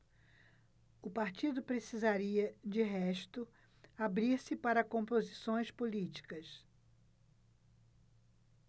o partido precisaria de resto abrir-se para composições políticas